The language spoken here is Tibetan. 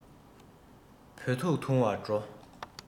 བོད ཐུག འཐུང བར འགྲོ